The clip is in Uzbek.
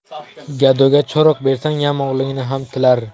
gadoga choriq bersang yamoqligini ham tilar